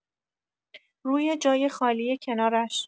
روی جای خالی کنارش